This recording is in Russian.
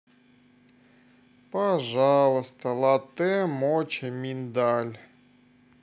пожалуйста латте моча миндаль